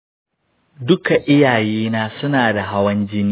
duka iyayena suna da hawan jini.